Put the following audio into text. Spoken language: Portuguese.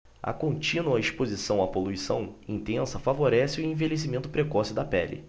a contínua exposição à poluição intensa favorece o envelhecimento precoce da pele